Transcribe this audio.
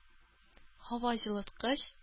Һаваҗылыткыч